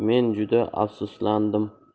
men juda afsuslandim